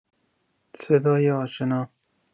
صدای آشنا